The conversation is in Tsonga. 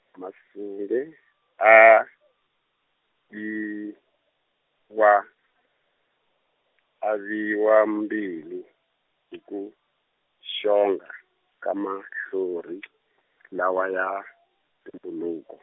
Masungi, a yi wa, a viwa- mbilu hi ku xonga ka mahlori lawa ya, ntumbuluko.